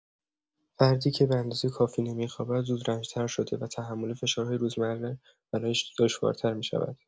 فردی که به‌اندازه کافی نمی‌خوابد، زودرنج‌تر شده و تحمل فشارهای روزمره برایش دشوارتر می‌شود.